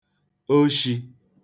oshī